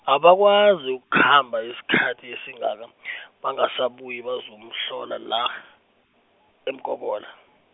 abakwazi ukukhamba isikhathi esingaka, bangasabuyi bazomhlola la, eMkobola.